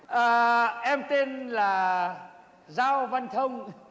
ờ em tên là giao văn thông